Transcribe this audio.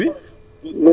waa ñu ngi sant